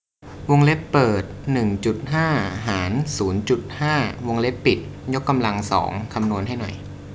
วงเล็บเปิดหนึ่งจุดห้าหารศูนย์จุดห้าวงเล็บปิดยกกำลังสองคำนวณให้หน่อย